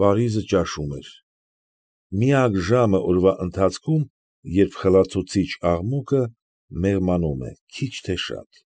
Պարիզը ճաշում էր. միակ ժամը օրվա ընթացքում, երբ խլացուցիչ աղմուկը մեղմանում է քիչ թե շատ։